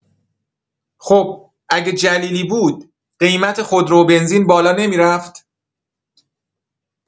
خوب اگه جلیلی بود قیمت خودرو و بنزین بالا نمی‌رفت؟